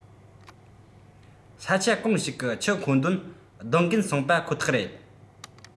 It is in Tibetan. ས ཆ གང ཞིག གི ཆུ མཁོ འདོན མདོང གད སོང པ ཁོ ཐག རེད